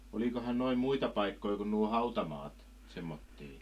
olikohan noin muita paikkoja kuin nuo hautamaat semmoisia